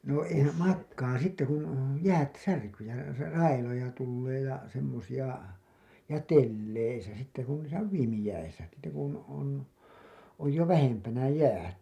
no eihän makaa sitten kun jäät särkyy ja - railoja tulee ja semmoisia ja teleissä sitten kun niissä on viimeisiä sitten kun on on jo vähempänä jäät